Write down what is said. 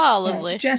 O lyfli.